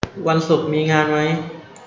วันศุกร์มีงานมั้ย